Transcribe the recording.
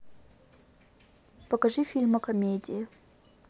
покажи фильмы комедии